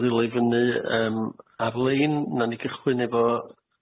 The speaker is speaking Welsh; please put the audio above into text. o ddwylo fyny yym ar-lein nawn ni gychwyn efo